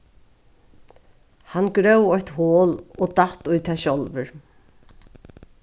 hann gróv eitt hol og datt í tað sjálvur